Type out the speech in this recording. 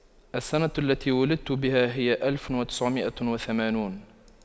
السنة التي ولدت بها هي ألف وتسعمئة وثمانون